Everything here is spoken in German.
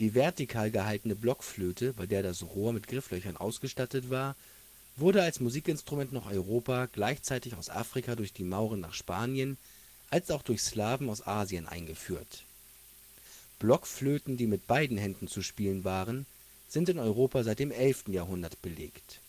vertikal gehaltene Blockflöte, bei der das Rohr mit Grifflöchern ausgestattet war, wurde als Musikinstrument nach Europa gleichzeitig aus Afrika durch die Mauren nach Spanien, als auch durch Slawen aus Asien eingeführt. Blockflöten, die mit beiden Händen zu spielen waren, sind in Europa seit dem 11. Jahrhundert belegt